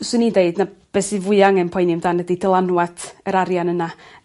fyswn i'n deud na be' sy fwy angen poeni amdan ydi dylanwat yr arian yna.